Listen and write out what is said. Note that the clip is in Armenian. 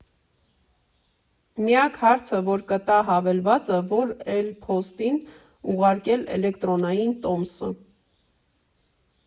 Միակ հարցը, որ կտա հավելվածը՝ ո՞ր էլփոստին ուղարկել էլեկտրոնային տոմսը։